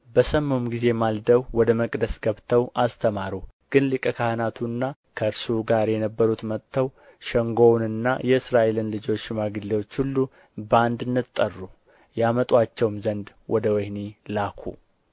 በሰሙም ጊዜ ማልደው ወደ መቅደስ ገብተው አስተማሩ ግን ሊቀ ካህናቱና ከእርሱ ጋር የነበሩት መጥተው ሸንጎውንና የእስራኤልን ልጆች ሽማግሌዎች ሁሉ በአንድነት ጠሩ ያመጡአቸውም ዘንድ ወደ ወኅኒ ላኩ